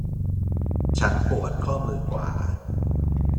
ฉันปวดข้อมือขวา